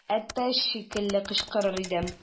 Әтәч шикелле кычкырыр идем.